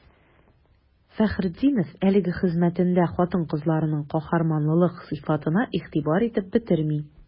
Фәхретдинов әлеге хезмәтендә хатын-кызларның каһарманлылык сыйфатына игътибар итеп бетерми.